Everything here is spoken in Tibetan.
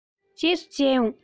རྗེས སུ མཇལ ཡོང